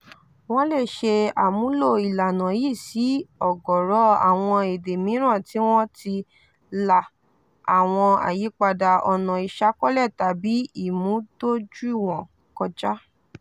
Wọ́n lè ṣe àmúlò ìlànà yìí sí ọ̀gọ̀ọ̀rọ̀ àwọn èdè mìíràn tí wọ́n ti la àwọn àyípadà ọ̀nà ìṣàkọọ́lẹ̀ tàbí ìmúdójúìwọ̀n kọjá.